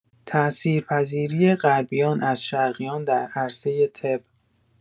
تاثیرپذیری غربیان از شرقیان در عرصه طب